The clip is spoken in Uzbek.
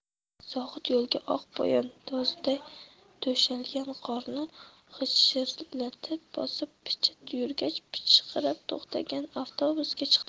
zohid yo'lga oq poyandozday to'shalgan qorni g'ichirlatib bosib picha yurgach pishqirib to'xtagan avtobusga chiqdi